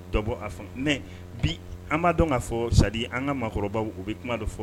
Dɔbɔ a fɔ mɛ bi an b'a dɔn k'a fɔ sa an ka mɔgɔkɔrɔba u bɛ kuma dɔn fɔ